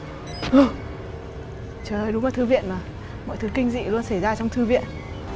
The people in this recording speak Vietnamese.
ô trời ơi đúng là thư viện mà mọi thứ kinh dị luôn xảy ra trong thư viện